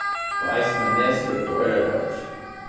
og eisini nesvík og oyrarbakki